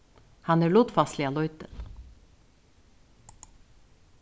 hann er lutfalsliga lítil